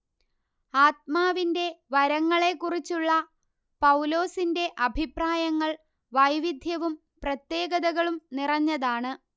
ആത്മാവിന്റെ വരങ്ങളെക്കുറിച്ചുള്ള പൗലോസിന്റെ അഭിപ്രായങ്ങൾ വൈവിദ്ധ്യവും പ്രത്യേകതകളും നിറഞ്ഞതാണ്